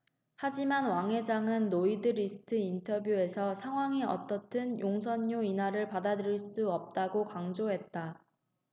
하지만 왕 회장은 로이드리스트 인터뷰에서 상황이 어떻든 용선료 인하를 받아들일 수 없다고 강조했다